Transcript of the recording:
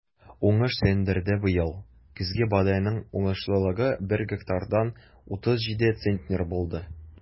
Уңыш сөендерде быел: көзге бодайның уңышлылыгы бер гектардан 37 центнер булды.